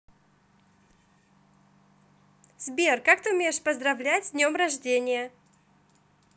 сбер как ты умеешь поздравлять с днем рождения